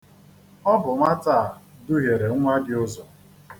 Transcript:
Ọ bụ nwata a duhiere nwa gị ụzọ.